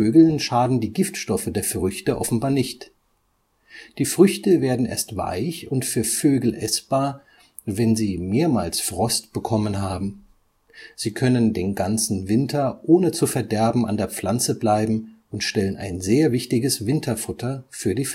Vögeln schaden die Giftstoffe der Früchte offenbar nicht. Die Früchte werden erst weich und für Vögel essbar, wenn sie mehrmals Frost bekommen haben; sie können den ganzen Winter ohne zu verderben an der Pflanze bleiben und stellen ein sehr wichtiges Winterfutter für die